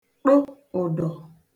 ṭụ ụ̀dọ̀